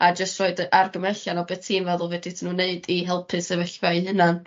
a jys rhoid y argymellion o be' ti'n feddwl fedryth n'w neud i helpu sefyllfa 'i hunan.